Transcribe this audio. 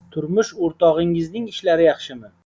turmush o'rtog'ingizning ishlari yaxshimi